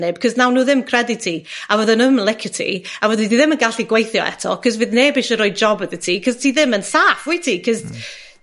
neb 'c'os nawn nw ddim credu ti, a fydda nw 'im yn licio ti a fyddi di ddim yn gallu gweithio eto 'c'os fydd neb isio rhoi job iddot ti 'c'os ti ddim yn saff, wyt ti? 'C'os... Hmm. ...